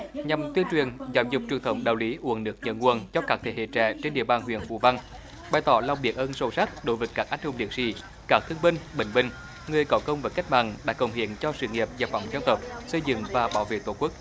nhằm tuyên truyền giáo dục truyền thống đạo lý uống nước nhớ nguồn cho các thế hệ trẻ trên địa bàn huyện phú vang bày tỏ lòng biết ơn sâu sắc đối với các anh hùng liệt sỹ các thương binh bệnh binh người có công với cách mạng đã cống hiến cho sự nghiệp giải phóng dân tộc xây dựng và bảo vệ tổ quốc